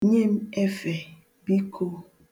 Nye m efe, biko!